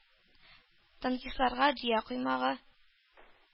Танкистларга – дөя “коймагы”